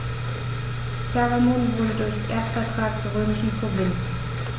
Pergamon wurde durch Erbvertrag zur römischen Provinz.